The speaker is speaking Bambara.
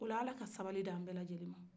ola ala ka sabali di an bɛɛ lajɛlen ma